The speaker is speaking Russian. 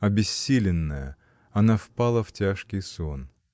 Обессиленная, она впала в тяжкий сон.